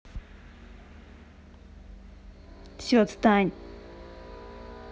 все отстань